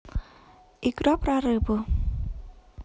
игра про рыбу